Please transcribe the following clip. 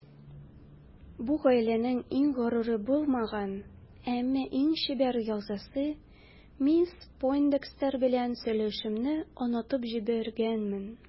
Бу гаиләнең иң горуры булмаган, әмма иң чибәр әгъзасы мисс Пойндекстер белән сөйләшүемне онытып җибәргәнмен.